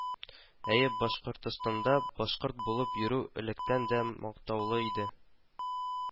Әйе, Башкортстанда башкорт булып йөрү электән дә мактаулы иде